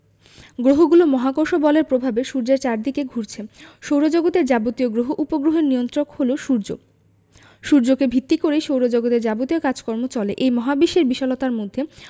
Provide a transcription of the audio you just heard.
গ্রহগুলো মহাকর্ষ বলের প্রভাবে সূর্যের চারদিকে ঘুরছে সৌরজগতের যাবতীয় গ্রহ উপগ্রহের নিয়ন্ত্রক হলো সূর্য সূর্যকে ভিত্তি করে সৌরজগতের যাবতীয় কাজকর্ম চলে এই মহাবিশ্বের বিশালতার মধ্যে